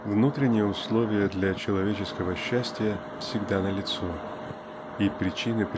внутренние условия для человеческого счастья всегда налицо и причины